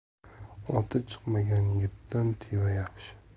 oti chiqmagan yigitdan teva yaxshi